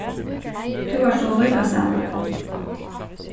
tú ert ov líkasælur